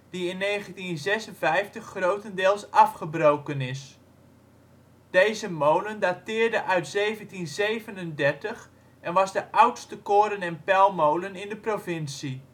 die in 1956 grotendeels afgebroken is. Deze molen dateerde uit 1737 en was de oudste koren - en pelmolen in de provincie